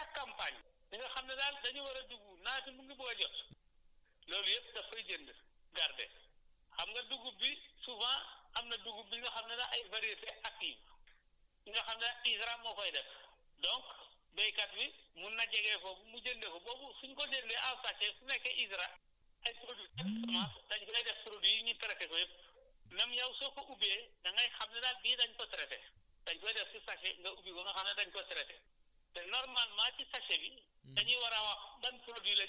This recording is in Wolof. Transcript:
voilà foofu foofu à cahque campagne bi nga xam ne daal da ñu war a jublu nawet bi mu ngi bugg a jot loolu yëpp da koy jënd garder xam nga dugub bi souvent am na dugub bi nga xam ne sax ay variétés acquis yi nga xam ne ISRA moo koy def donc béykat bi mun na jege foofu mu jënde fa boobu suñ ko jëndee à sachet su nekkee ISRA ay produits telle semence dañu koy def produits yi ñu traiter ko yëpp même yow soo ko ubbee da ngay xam ne daal bii dañu ko traité dañ koy def ci sachet nga ubbi ko nga xam ne dañ ko traité te normalement ci sachet bi